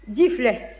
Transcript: ji filɛ